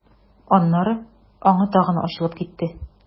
Аннары аңы тагы ачылып китте.